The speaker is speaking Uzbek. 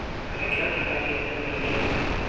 harakat harakatda barakat